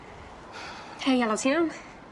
Hei Alaw ti iawn?